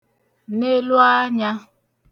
nèlu anyā